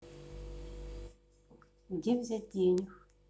где взять денег